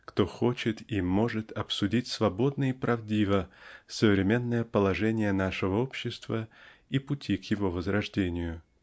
кто хочет и может обсудить свободно и правдиво современное положение нашего общества и пути к его возрождению.